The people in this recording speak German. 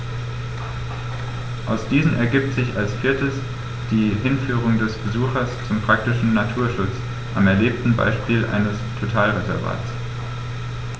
Aus diesen ergibt sich als viertes die Hinführung des Besuchers zum praktischen Naturschutz am erlebten Beispiel eines Totalreservats.